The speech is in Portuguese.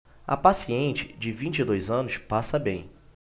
a paciente de vinte e dois anos passa bem